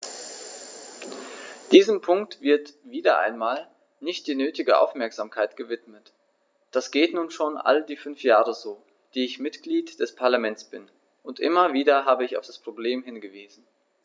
Diesem Punkt wird - wieder einmal - nicht die nötige Aufmerksamkeit gewidmet: Das geht nun schon all die fünf Jahre so, die ich Mitglied des Parlaments bin, und immer wieder habe ich auf das Problem hingewiesen.